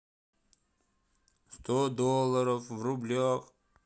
сто долларов в рублях